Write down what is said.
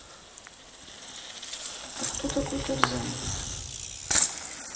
а кто такой тарзан